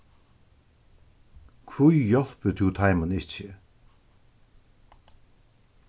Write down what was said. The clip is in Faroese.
hví hjálpir tú teimum ikki